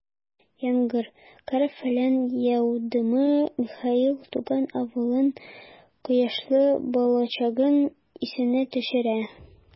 Яңгыр, кар-фәлән яудымы, Михаил туган авылын, кояшлы балачагын исенә төшерә.